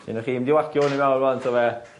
O's un o chi mynd i wagio 'wn i fewn 'wan ta be?